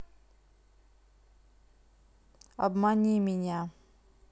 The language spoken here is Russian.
обмани меня